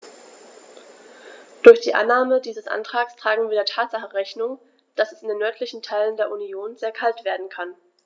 Durch die Annahme dieses Antrags tragen wir der Tatsache Rechnung, dass es in den nördlichen Teilen der Union sehr kalt werden kann.